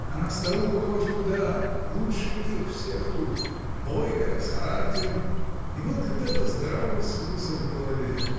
Она старуха хоть куда: лучше их всех тут, бойкая, с характером, и был когда-то здравый смысл в голове.